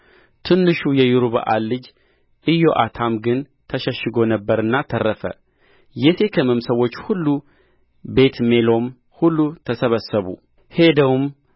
ትንሹ የይሩበኣል ልጅ ኢዮአታም ግን ተሸሽጎ ነበርና ተረፈ የሴኬምም ሰዎች ሁሉ ቤትሚሎም ሁሉ ተሰበሰቡ ሄደውም